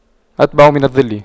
أتبع من الظل